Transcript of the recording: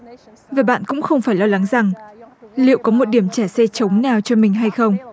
về bạn cũng không phải lo lắng rằng liệu có một điểm chờ xe trống nào cho mình hay không